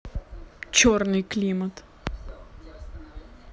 черный климат